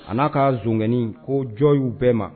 A na ka nsonkɛnin ko jɔn yu bɛɛ ma.